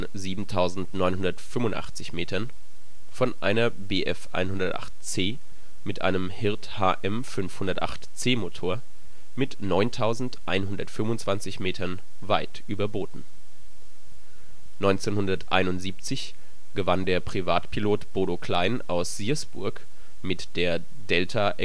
7985 m) von einer Bf 108 C mit einem Hirth HM 508 C-Motor mit 9125 m weit überboten. 1971 gewann der Privatpilot Bodo Klein aus Siersburg mit der D-EDIH